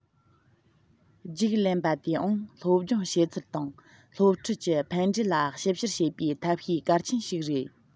རྒྱུགས ལེན པ དེའང སློབ སྦྱོང བྱེད ཚུལ དང སློབ ཁྲིད ཀྱི ཕན འབྲས ལ ཞིབ བཤེར བྱེད པའི ཐབས ཤེས གལ ཆེན ཞིག རེད